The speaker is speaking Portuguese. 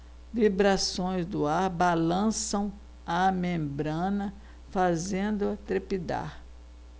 vibrações do ar balançam a membrana fazendo-a trepidar